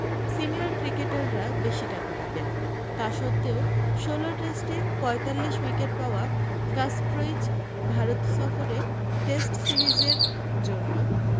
senior ক্রিকেটাররা বেশী টাকা পাবেন তা সত্ত্বেও ষোলো টেস্টে পঁয়তাল্লিশ উইকেট পাওয়া কাসপ্রোইচ ভারত সফরে টেস্ট সিরিজের জন্য